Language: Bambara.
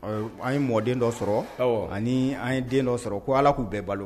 An ye mɔden dɔ sɔrɔ, awɔ, ani an ye den dɔ sɔrɔ ko Ala k'u bɛɛ balo